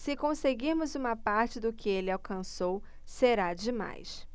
se conseguirmos uma parte do que ele alcançou será demais